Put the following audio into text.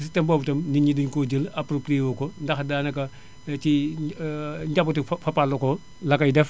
système boobu itam nit éni dañu koo jël approprié ko ndax daanaka ci njabootu Fapal la ko la koy def